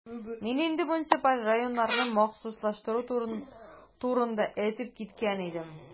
Мин инде муниципаль районнарны махсуслаштыру турында әйтеп киткән идем.